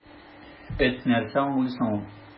Эт нәрсә аңлый соң ул!